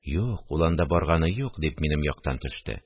– юк, ул анда барганы юк, – дип, минем яктан төште